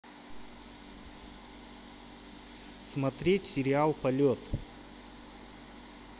смотреть сериал полет